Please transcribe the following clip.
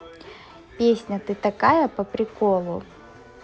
песня ты такая по приколу